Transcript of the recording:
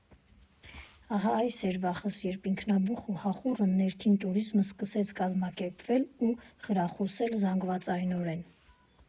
Ահա, այս էր վախս, երբ ինքնաբուխ ու հախուռն ներքին տուրիզմը սկսեց կազմակերպվել ու խրախուսվել զանգվածայնորեն։